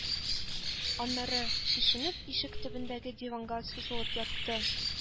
Аннары, чишенеп ишек төбендәге диванга сузылып ятты.